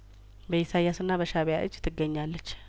በኢሳይያስና በሻእቢያእጅ ትገኛለች